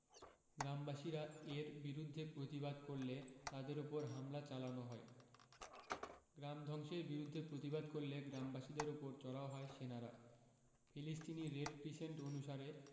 গ্রামবাসীরা এর বিরুদ্ধে প্রতিবাদ করলে তাদের ওপর হামলা চালানো হয় গ্রাম ধ্বংসের বিরুদ্ধে প্রতিবাদ করলে গ্রামবাসীদের ওপর চড়াও হয় সেনারা ফিলিস্তিনি রেড ক্রিসেন্ট অনুসারে